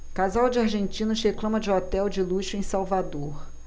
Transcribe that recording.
casal de argentinos reclama de hotel de luxo em salvador